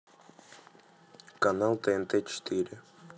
канал тнт четыре